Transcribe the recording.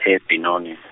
e- Benoni.